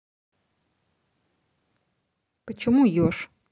почему еж